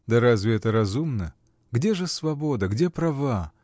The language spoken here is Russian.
— Да разве это разумно: где же свобода, где права?